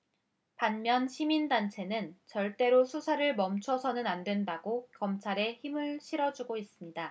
반면 시민단체는 절대로 수사를 멈춰서는 안 된다고 검찰에 힘을 실어주고 있습니다